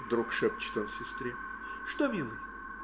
- вдруг шепчет он сестре. - Что, милый?